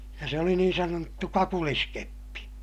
ja se oli niin sanottu kakuliskeppi